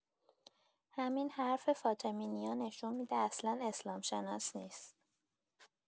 همین حرف فاطمی نیا نشون می‌ده اصلا اسلام‌شناس نیست